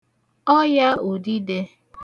ọyà ùdidē